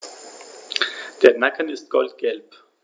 Der Nacken ist goldgelb.